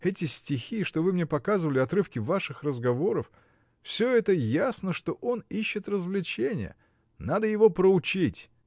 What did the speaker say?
Эти стихи, что вы мне показывали, отрывки ваших разговоров — всё это ясно, что он ищет развлечения. Надо его проучить.